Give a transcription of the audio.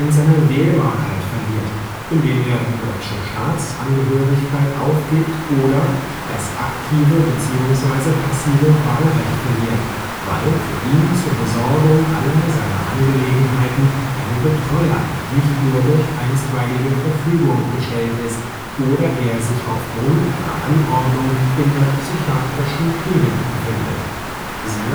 seine Wählbarkeit verliert, indem er die deutsche Staatsangehörigkeit aufgibt oder das (aktive bzw. passive) Wahlrecht verliert, weil für ihn zur Besorgung aller seiner Angelegenheiten ein Betreuer nicht nur durch einstweilige Verfügung bestellt ist oder er sich aufgrund einer Anordnung in einer psychiatrischen Klinik befindet (Art.